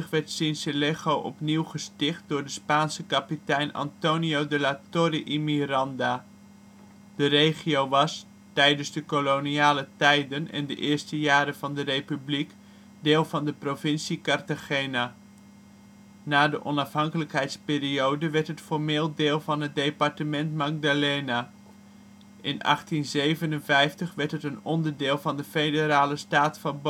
werd Sincelejo opnieuw gesticht door de Spaanse kapitein Antonia de la Torre y Miranda. De regio was, tijdens de koloniale tijden en de eerste jaren van de republiek, deel van de provincie Cartagena. Na de onafhankelijkheidsperiode werd het formeel deel van het departement Magdalena. In 1857 werd het een onderdeel van de Federale staat van